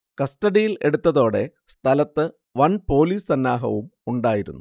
കസ്റ്റഡിയിൽ എടുത്തതോടെ സ്ഥലത്ത് വൻ പൊലീസ് സന്നാഹവും ഉണ്ടായിരുന്നു